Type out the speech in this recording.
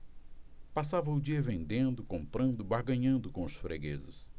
passava o dia vendendo comprando barganhando com os fregueses